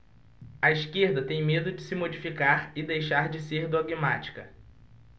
a esquerda tem medo de se modificar e deixar de ser dogmática